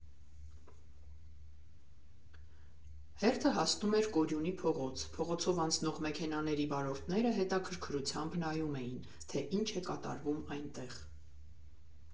Հերթը հասնում էր Կորյունի փողոց, փողոցով անցնող մեքենաների վարորդները հետաքրքրությամբ նայում էին, թե ինչ է կատարվում այնտեղ։